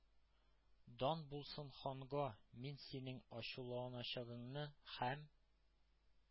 — дан булсын ханга, мин синең ачуланачагыңны һәм